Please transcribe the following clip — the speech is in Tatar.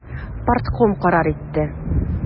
Партком карар итте.